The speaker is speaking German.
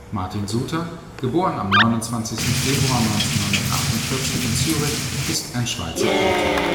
Martin Suter (* 29. Februar 1948 in Zürich) ist ein Schweizer Autor